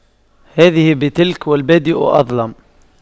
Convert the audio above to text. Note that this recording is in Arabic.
هذه بتلك والبادئ أظلم